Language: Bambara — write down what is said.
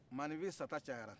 maaninfin sata cayara